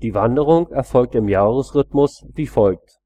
Wanderung erfolgt im Jahresrhythmus wie folgt